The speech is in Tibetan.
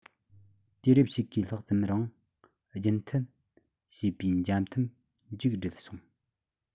དུས རབས ཕྱེད ཀའི ལྷག ཙམ རིང རྒྱུན མཐུད བྱས པའི འཇམ འཐབ མཇུག བསྒྲིལ སོང